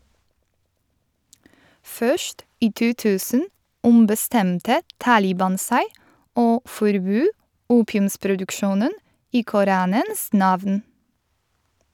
Først i 2000 ombestemte Taliban seg, og forbød opiumsproduksjonen i koranens navn.